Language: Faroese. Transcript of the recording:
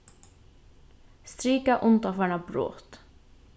strika undanfarna brot